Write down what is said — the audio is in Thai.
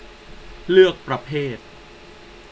เลือกประเภท